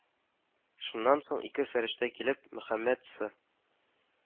Шуннан соң ике фәрештә килеп, Мөхәммәд сы